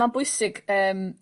...ma'n bwysig yym